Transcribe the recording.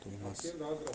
dunyoga baxil to'ymas